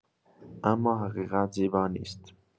اما حقیقت زیبا نیست!